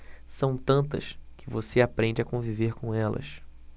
são tantas que você aprende a conviver com elas